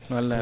wallay